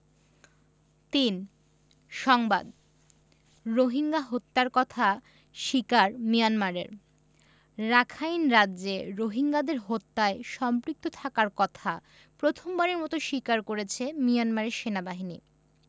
৩ সংবাদ রোহিঙ্গা হত্যার কথা স্বীকার মিয়ানমারের রাখাইন রাজ্যে রোহিঙ্গাদের হত্যায় সম্পৃক্ত থাকার কথা প্রথমবারের মতো স্বীকার করেছে মিয়ানমার সেনাবাহিনী